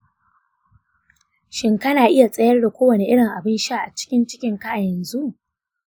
shin kana iya tsayar da kowane irin abin sha a cikin cikinka a yanzu?